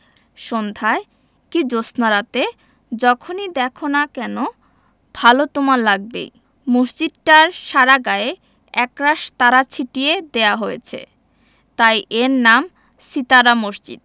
সন্ধায় কি জ্যোৎস্নারাতে যখনি দ্যাখো না কেন ভালো তোমার লাগবেই মসজিদটার সারা গায়ে একরাশ তারা ছিটিয়ে দেয়া হয়েছে তাই এর নাম সিতারা মসজিদ